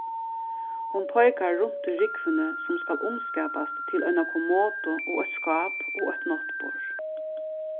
hon peikar runt í rúgvuni sum skal umskapast til eina kommodu og eitt skáp og eitt náttborð